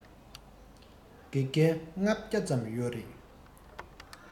དགེ རྒན ༥༠༠ ཙམ ཡོད རེད